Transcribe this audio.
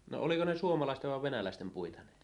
no oliko ne suomalaisten vai venäläisten puita ne